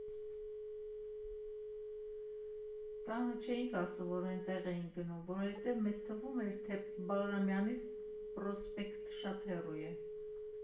Տանը չէինք ասում, որ էնտեղ ենք գնում, որովհետև մեզ թվում էր, թե Բաղրամյանից Պրոսպեկտ շատ հեռու է։